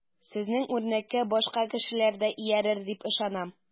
Сезнең үрнәккә башка кешеләр дә иярер дип ышанам.